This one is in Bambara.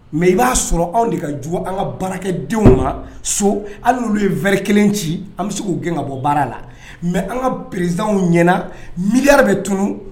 Mais i b'a sɔrɔ anw de ka jugu an ka baarakɛdenw ma so, hali n’olu ye verre kelen ci an bɛ se k'u gɛn ka bɔ baara la mais an ka président ɲɛna miliyari bɛ tunun